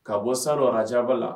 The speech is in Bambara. Ka bɔ salo rajaba la